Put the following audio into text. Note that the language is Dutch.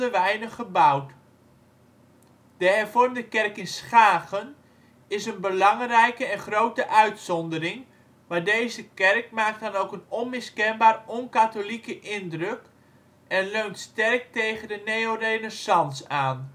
weinig gebouwd. De hervormde kerk in Schagen is een belangrijke en grote uitzondering, maar deze kerk maakt dan ook een onmiskenmaar on-katholieke indruk en leunt sterk tegen de neorenaissance aan